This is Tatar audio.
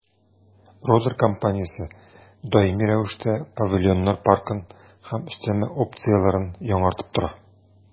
«родер» компаниясе даими рәвештә павильоннар паркын һәм өстәмә опцияләрен яңартып тора.